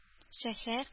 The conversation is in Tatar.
Шәһәр